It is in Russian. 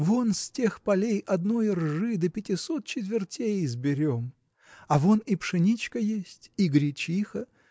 Вон с тех полей одной ржи до пятисот четвертей сберем а вон и пшеничка есть, и гречиха